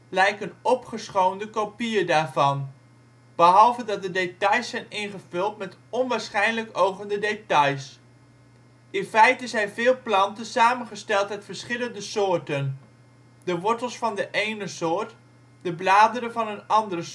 lijken opgeschoonde kopieën daarvan, behalve dat de details zijn ingevuld met onwaarschijnlijk ogende details. In feite zijn veel planten samengesteld uit verschillende soorten: de wortels van de ene soort, de bladeren van een andere